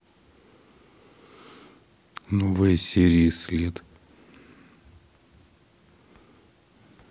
новые серии след